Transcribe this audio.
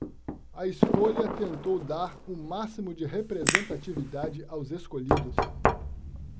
a escolha tentou dar o máximo de representatividade aos escolhidos